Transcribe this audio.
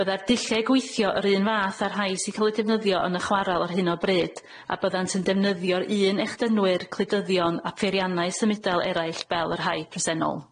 Bydda'r dulliau gwithio yr un fath â'r rhai sy ca'l eu defnyddio yn y chwaral ar hyn o bryd a byddant yn defnyddio'r un echdynwyr cludyddion a peiriannau symudol eraill fel yr rhai presennol.